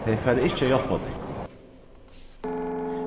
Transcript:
tey fara ikki at hjálpa tykkum